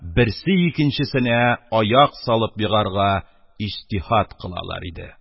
Берсе икенчесенә аяк салып егарга иҗтиһад кылалар иде.